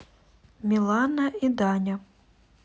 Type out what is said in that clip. милана и даня